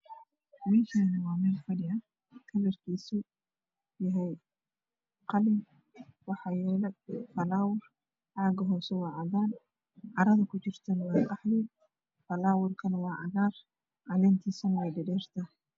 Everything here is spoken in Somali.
Meeshaan waa meel fadhi ah kalarkiisu yahay qalin waxaa yaalo falawar caaga hoose waa cadaan carada kujirtana waa qaxwi falawarkana waa cagaar caleentiisana way dheedhertahay